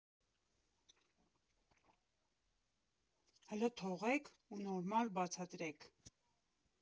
Հլը թողեք ու նորմալ բացատրեք…